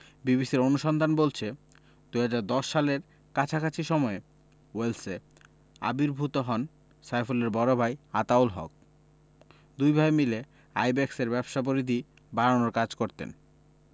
বিবিসির অনুসন্ধান বলছে ২০১০ সালের কাছাকাছি সময়ে ওয়েলসে আবির্ভূত হন সাইফুলের বড় ভাই আতাউল হক দুই ভাই মিলে আইব্যাকসের ব্যবসার পরিধি বাড়ানোর কাজ করতেন